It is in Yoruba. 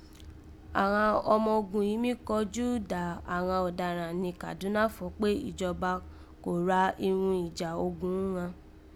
Àghan ọmọogun yìí mí kọjú dá àghan ọ̀dáàràn nì Kàdúná fọ̀ kpé ìjọba kò ra irun ìjà ghún ghan.